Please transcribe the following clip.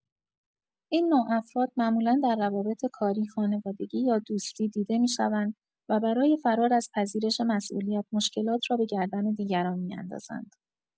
این نوع افراد معمولا در روابط کاری، خانوادگی یا دوستی دیده می‌شوند و برای فرار از پذیرش مسئولیت، مشکلات را به گردن دیگران می‌اندازند.